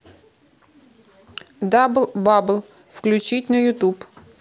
дабл бабл включить на ютуб